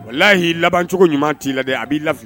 Wala la y'i labancogo ɲuman t'i la dɛ a' lafili